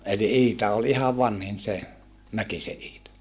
eli Iita oli ihan vanhin se Mäkisen Iita